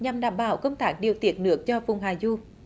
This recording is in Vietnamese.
nhằm đảm bảo công tác điều tiết nước cho vùng hạ du